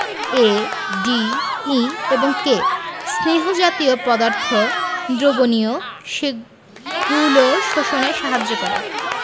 A D E এবং K স্নেহ জাতীয় পদার্থ দ্রবণীয় সেক গুলো শোষণে সাহায্য করে